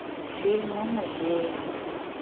фильм о музеях